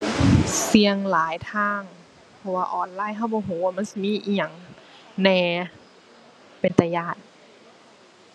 เสี่ยงหลายทาง เพราะว่าออนไลน์เราบ่เราว่ามันสิมีอิหยังแหน่ เป็นตาย้าน